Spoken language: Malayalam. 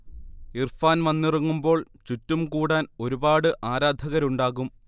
ഇർഫാൻ വന്നിറങ്ങുമ്പോൾ ചുറ്റും കൂടാൻ ഒരുപാട് ആരാധകരുണ്ടാകും